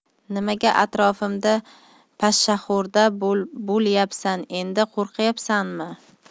nimaga atrofimda pashshaxo'rda bo'lyapsan endi qo'rqyapsanmi